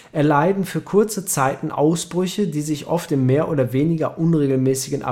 erleiden für kurze Zeiten Ausbrüche, die sich oft in mehr oder weniger unregelmäßigen